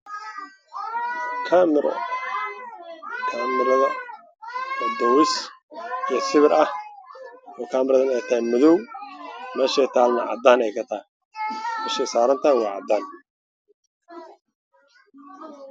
Meshan waxaa yaalo kaamiro midab keedu yahay madow